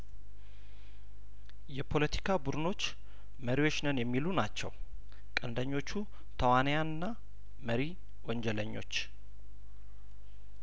የፖለቲካ ቡድኖች መሪዎች ነን የሚሉ ናቸው ቀንደኞቹ ተዋንያንና መሪ ወንጀለኞች